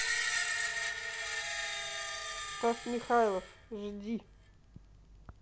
стас михайлов жди